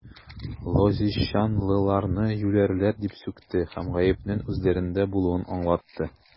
Лозищанлыларны юләрләр дип сүкте һәм гаепнең үзләрендә булуын аңлатты.